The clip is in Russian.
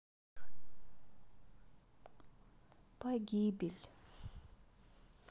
погибель